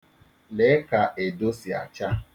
Lee ka edo si acha.